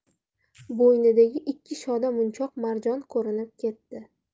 bo'ynidagi ikki shoda munchoq marjon ko'rinib ketdi